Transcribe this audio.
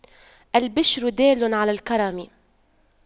الْبِشْرَ دال على الكرم